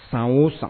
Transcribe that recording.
San o san